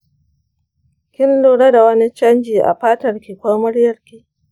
kin lura da wani canji a fatarki ko muryarki?